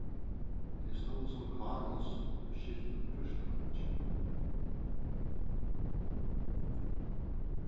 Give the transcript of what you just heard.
tey stóðu sum kánus og skiltu púrt einki